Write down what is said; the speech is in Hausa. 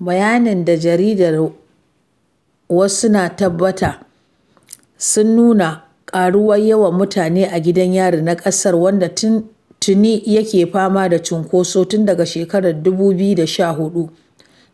Bayanan da jaridar Iwacu ta tattara sun nuna ƙaruwar yawan mutane a gidan yari na ƙasar wanda tuni yake fama da cunkoso tun daga shekarar 2014